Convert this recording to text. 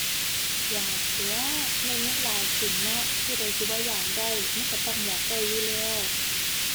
อยากตั่ว ได้เงินหลายขึ้นเนาะ ผู้ใดสิบ่อยากได้ มันก็ต้องอยากได้อยู่แล้ว